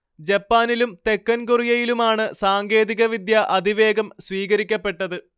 ജപ്പാനിലും തെക്കൻ കൊറിയയിലുമാണ് സാങ്കേതിക വിദ്യ അതിവേഗം സ്വീകരിക്കപ്പെട്ടത്